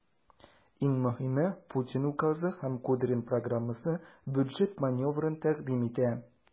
Иң мөһиме, Путин указы һәм Кудрин программасы бюджет маневрын тәкъдим итә.